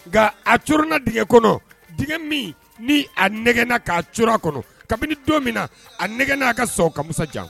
Nka a c na dgɛ kɔnɔ d min ni a nɛgɛɛna k'a c a kɔnɔ kabini don min na a nɛgɛ n'a ka sa ka fisasajan